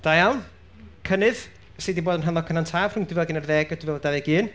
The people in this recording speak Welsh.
Da iawn. Cynnydd sy 'di bod yn Rhondda Cynon Taf rhwng dwy fil ac unarddeg a dwy fil a dauddeg un.